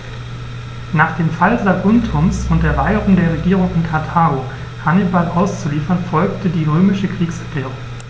Nach dem Fall Saguntums und der Weigerung der Regierung in Karthago, Hannibal auszuliefern, folgte die römische Kriegserklärung.